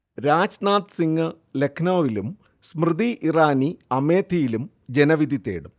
രാജ്നാഥ് സിംഗ് ലക്നൌവിലും സ്മൃതി ഇറാനി അമേത്തിയിലും ജനവിധി തേടും